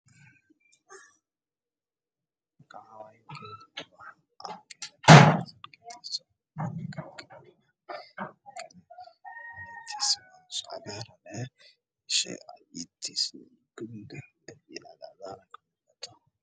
Geed cagaar dhulka ka baxaayo